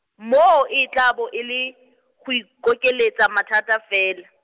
moo e tla bo e le, go ikokeletsa mathata fela.